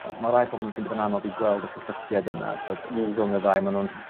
Ma' ma' rai pobol yn ffindo fe'n anodd i gweld y cysylltiad yna t'od rhwng y ddau ma' nw'n